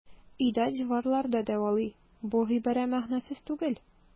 Өйдә диварлар да дәвалый - бу гыйбарә мәгънәсез түгел.